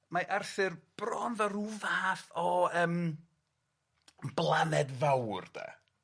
mai Arthur bron fel rw fath o yym blaned fawr 'de.